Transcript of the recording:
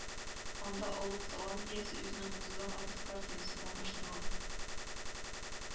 Анда олуг талант иясе үзенең утыздан артык картинасын урнаштырган